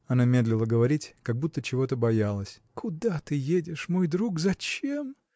Она медлила говорить, как будто чего-то боялась. – Куда ты едешь, мой друг, зачем?